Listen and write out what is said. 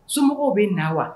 Somɔgɔw b'i na wa